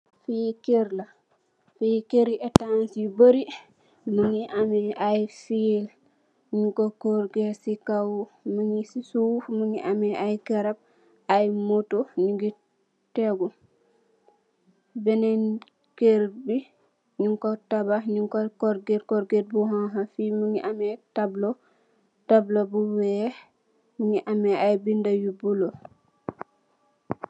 Fi keur la fi keuri estas yu bari mogi ameh ay fill nung ko korget si kaw si soof mogi ameh ay garab ay moto nyugi tegu benen keur bi nung ko tabax nung ko korget korget bu xonxa mogi ameh tablo tablo bu weex mogi ameh ay benda yu bulo.